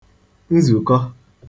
nzùkọ